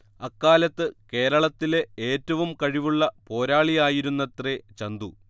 അക്കാലത്ത് കേരളത്തിലെ ഏറ്റവും കഴിവുള്ള പോരാളിയായിരുന്നത്രേ ചന്തു